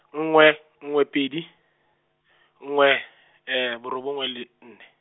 nngwe, nngwe pedi, nngwe borobongwe le n ne.